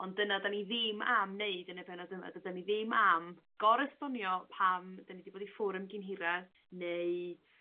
...ond dyna 'dan ni ddim am neud yn y benod yma dydan ni ddim am gor esbonio pam 'dan ni 'di bod i ffwr' am gyn hirad neu